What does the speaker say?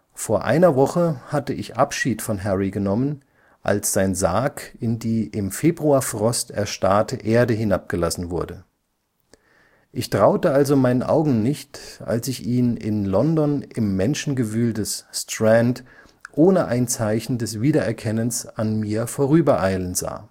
Vor einer Woche hatte ich Abschied von Harry genommen, als sein Sarg in die im Februarfrost erstarrte Erde hinabgelassen wurde. Ich traute also meinen Augen nicht, als ich ihn in London im Menschengewühl des ‚ Strand ‘ohne ein Zeichen des Wiedererkennens an mir vorübereilen sah